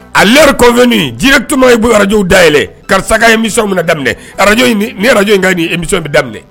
A l'heure convenue directement i bɛ radios da yɛlɛ karisa ka emission minɛ daminɛ in radio in ka emission bɛna daminɛ